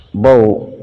Baw